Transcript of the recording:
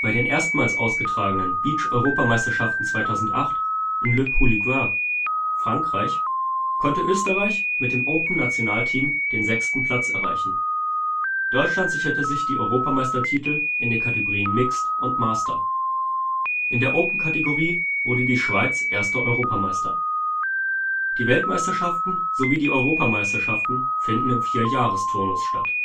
den erstmals ausgetragenen Beach-Europameisterschaften 2008 in Le Pouliguen (F) konnte Österreich mit dem Open-Nationalteam den 6. Platz erreichen. Deutschland sicherte sich die Europameistertitel in den Kategorien Mixed und Master. In der Open-Kategorie wurde die Schweiz erster Europameister. Die Weltmeisterschaften sowie die Europameisterschaften finden im Vier-Jahres-Turnus statt